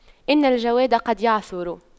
إن الجواد قد يعثر